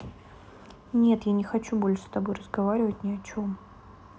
нет не хочу я больше с тобой разговаривать не о чем